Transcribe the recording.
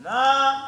H